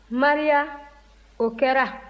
maria o kɛra